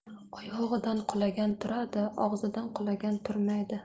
oyog'idan qulagan turadi og'zidan qulagan turmaydi